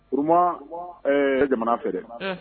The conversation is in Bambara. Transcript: Purumuwa jamana